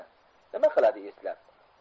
nima qiladi eslab